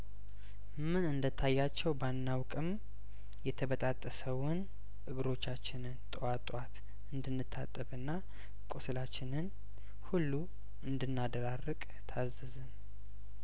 ምን እንደታያቸው ባና ውቅም የተበጣጠሰውን እግሮቻችንን ጧት ጧት እንድን ታጠብና ቁስላችንን ሁሉ እንድናደራርቅ ታዘዝን